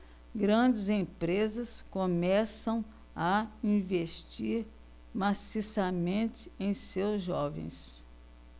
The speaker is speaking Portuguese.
grandes empresas começam a investir maciçamente em seus jovens